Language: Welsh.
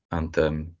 Ond yym...